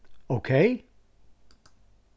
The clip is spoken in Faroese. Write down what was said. ókey